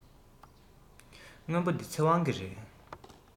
སྔོན པོ འདི ཚེ དབང གི རེད